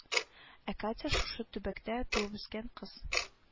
Ә катя шушы төбәктә туып-үскән кыз